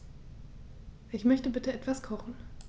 Ich möchte bitte etwas kochen.